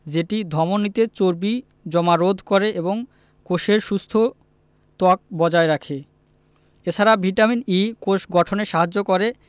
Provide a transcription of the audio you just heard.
যেটি ধমনিতে চর্বি জমা রোধ করে এবং কোষের সুস্থ ত্বক বজায় রাখে এ ছাড়া ভিটামিন ই কোষ গঠনে সাহায্য করে